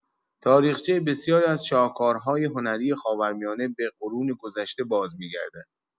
تاریخچه بسیاری از شاهکارهای هنری خاورمیانه به قرون گذشته بازمی‌گردد.